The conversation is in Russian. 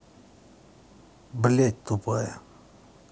блядь тупая